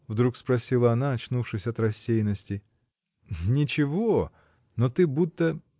— вдруг спросила она, очнувшись от рассеянности. — Ничего, но ты будто.